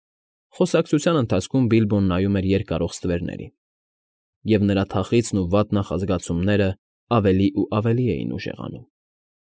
Խոսակցության ընթացքում Բիլբոն նայում էր երկարող ստվերներին, և նրա թախիծն ու վատ նախազգացումները ավելի ու ավելի էին ուժեղանում։